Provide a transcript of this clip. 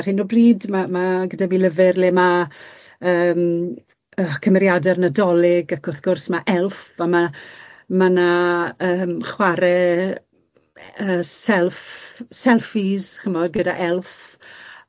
ar hyn o bryd ma' ma' gyda fi lyfyr le ma' yym cymeriade'r Nadolig ac wrth gwrs ma' elf a ma' ma' 'na yym chware yy self selfies ch'mod gyda elf